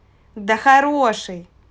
да хороший